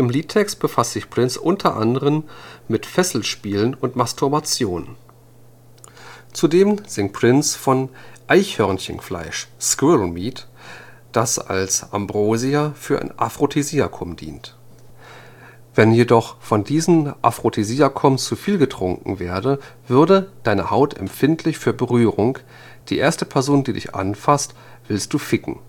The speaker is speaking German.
Liedtext befasst sich Prince unter anderem mit Fesselspielen und Masturbation. Zudem singt Prince von „ Eichhörnchenfleisch “(„ squirrel meat “), das als Ambrosia für ein Aphrodisiakum dient. Wenn jedoch von diesem Aphrodisiakum zu viel getrunken werde, würde „ deine Haut empfindlich für Berührung – die erste Person, die dich anfasst, willst du ficken